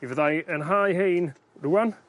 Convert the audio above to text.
Mi fydda i yn hau hein rŵan